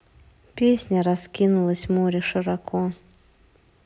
песня раскинулось море широко